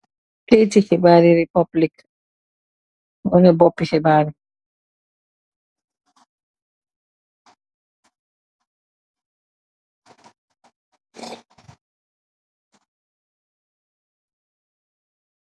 Kayiti xibarr yi ripóblik, waneh bópi xibaryi.